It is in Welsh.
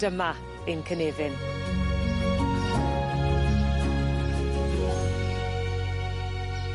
Dyma ein cynefin.